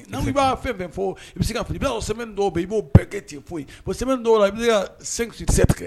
N' i b'a fɛn fɛn fɔ i bɛ se i sɛmɛ dɔw i b'o bɛɛ kɛ foyi dɔw la i tigɛ